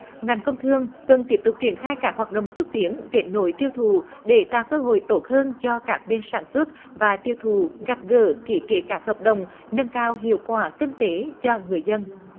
ngành công thương cần tiếp tục triển khai các hoạt động xúc tiến kết nối tiêu thụ để tạo cơ hội tốt hơn cho các bên sản xuất và tiêu thụ gặp gỡ ký kết các hợp đồng nâng cao hiệu quả kinh tế cho người dân